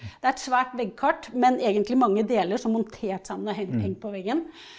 det er et svært veggkart, men egentlig mange deler som er montert sammen og hengt på veggen.